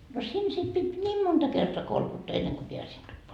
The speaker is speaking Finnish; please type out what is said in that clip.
no siinä sitten piti niin monta kertaa kolkuttaa ennen kuin pääsin tupaan